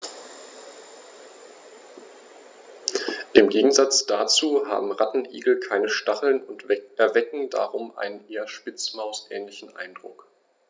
Im Gegensatz dazu haben Rattenigel keine Stacheln und erwecken darum einen eher Spitzmaus-ähnlichen Eindruck.